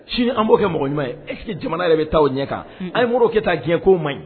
Sini an b'o kɛ mɔgɔ ɲuman ye e jamana yɛrɛ bɛ taa ɲɛ kan a ye muru kɛ taa diɲɛko man ɲi